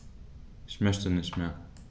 Ich möchte nicht mehr.